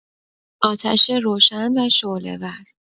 آتش روشن و شعله‌ور